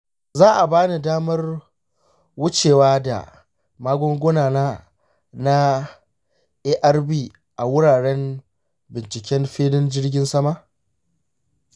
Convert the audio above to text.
shin za a bani damar wucewa da magungunana na arv a wuraren binciken filin jirgin sama?